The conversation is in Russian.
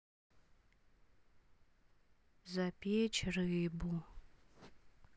запечь рыбу